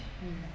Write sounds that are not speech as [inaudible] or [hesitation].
[hesitation] [hesitation]